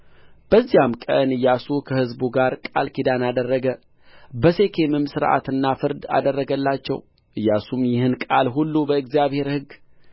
በዚያም ቀን ኢያሱ ከሕዝቡ ጋር ቃል ኪዳን አደረገ በሴኬምም ሥርዓትና ፍርድ አደረገላቸው ኢያሱም ይህን ቃል ሁሉ በእግዚአብሔር ሕግ